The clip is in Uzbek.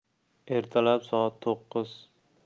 ertalab soat to'qqiz